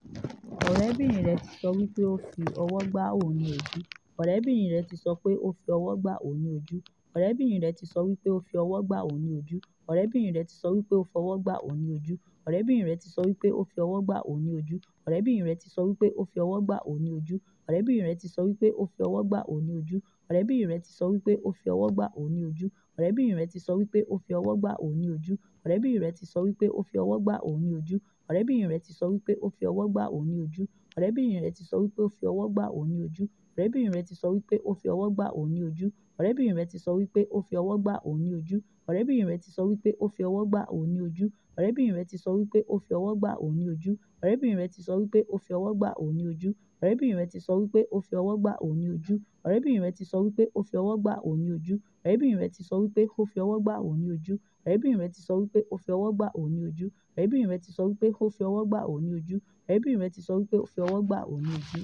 Ọ̀rẹ́bìnrin rẹ̀ ti sọ wí pé ó fi ọwọ gbá òun ní ojú.